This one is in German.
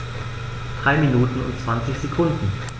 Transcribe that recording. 3 Minuten und 20 Sekunden